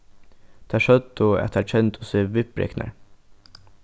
tær søgdu at tær kendu seg viðbreknar